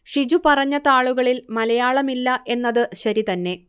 ഷിജു പറഞ്ഞ താളുകളിൽ മലയാളമില്ല എന്നത് ശരി തന്നെ